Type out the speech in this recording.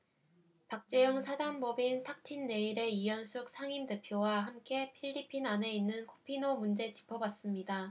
박재홍 사단법인 탁틴내일의 이현숙 상임대표와 함께 필리핀 안에 있는 코피노 문제 짚어봤습니다